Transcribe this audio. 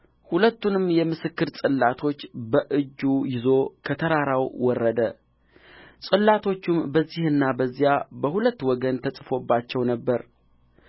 ሁለቱንም የምስክር ጽላቶች በእጁ ይዞ ከተራራው ወረደ ጽላቶቹም በዚህና በዚያ በሁለት ወገን ተጽፎባቸው ነበር